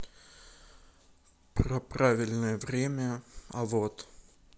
про правильное время а вот